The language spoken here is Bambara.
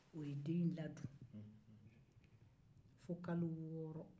a ye den in ladon fo kalo wɔɔrɔ